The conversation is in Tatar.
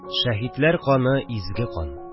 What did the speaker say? Шәһитләр каны – изге кан